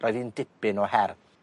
roedd 'i'n dipyn o her.